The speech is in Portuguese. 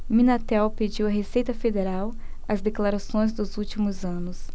minatel pediu à receita federal as declarações dos últimos anos